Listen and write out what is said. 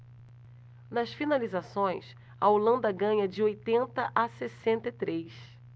nas finalizações a holanda ganha de oitenta a sessenta e três